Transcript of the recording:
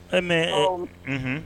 Ɛ Mais